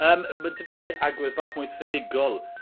Yym ma' 'dy fi agwedd bach mwy sinigol